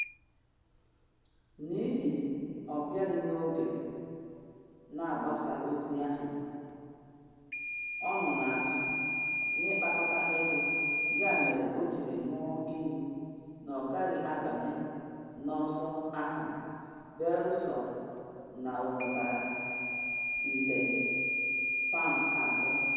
N’ihi ọ bịaghị n’oge na mgbasa ozi ahụ, ọ nọ n’azụ na ịkpakọta ego, ya mere o jiri nwụọ iyi na ọ gaghị abanye n’ọsọ ahụ belụsọ na ọ nwetara nde $2.